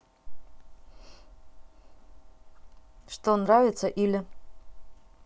что нравится или